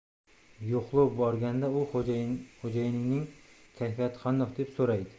yo'qlov borganda u xo'jayiningning kayfiyati qandoq deb so'raydi